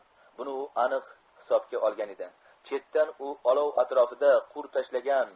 buni u aniq hisobga olgan edi chetdan u olov atrofida qo'r tashlagan